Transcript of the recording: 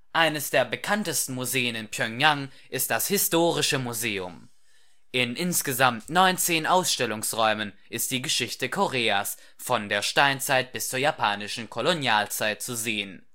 Eines der bekanntesten Museen in Pjöngjang ist das Historische Museum. In insgesamt 19 Ausstellungsräumen ist die Geschichte Koreas von der Steinzeit bis zur Japanischen Kolonialzeit zu sehen